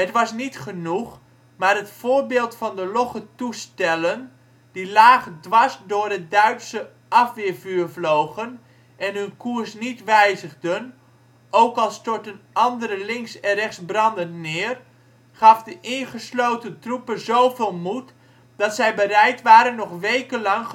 was niet genoeg, maar het voorbeeld van de logge toestellen die laag dwars door het zware Duitse afweervuur vlogen en hun koers niet wijzigden, ook al stortten andere links en rechts brandend neer, gaf de ingesloten troepen zoveel moed, dat zij bereid waren nog wekenlang